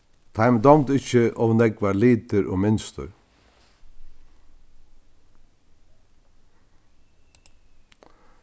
teimum dámdi ikki ov nógvar litir og mynstur